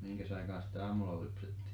mihinkäs aikaan sitten aamulla lypsettiin